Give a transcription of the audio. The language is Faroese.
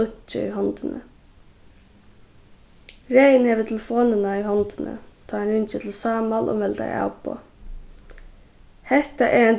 dunki í hondini regin hevur telefonina í hondini tá hann ringir til sámal og meldar avboð hetta er ein